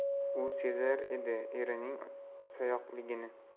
u sezar edi erining sayoqligini